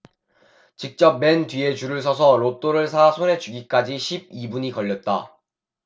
직접 맨 뒤에 줄을 서서 로또를 사 손에 쥐기까지 십 이 분이 걸렸다